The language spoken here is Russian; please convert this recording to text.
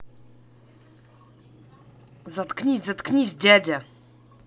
заткнись заткнись дядя